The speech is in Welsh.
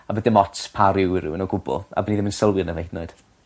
a bydd dim ots pa ryw yw rywun o gwbwl a bydd ni ddim yn sylwi arno fe hyd 'n oed.